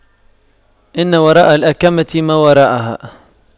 إن وراء الأَكَمةِ ما وراءها